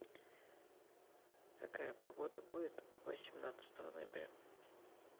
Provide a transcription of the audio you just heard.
какая погода будет восемнадцатого ноября